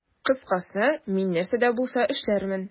Кыскасы, мин нәрсә дә булса эшләрмен.